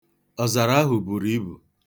Ọzara ahụ buru ibu.